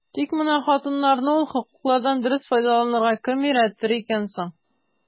Тик менә хатыннарны ул хокуклардан дөрес файдаланырга кем өйрәтер икән соң?